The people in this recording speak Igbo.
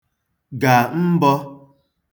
gà m̀bọ